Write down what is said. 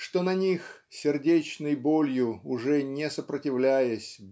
что на них сердечной болью уже не сопротивляясь